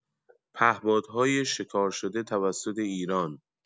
پهپادهای شکار شده توسط ایران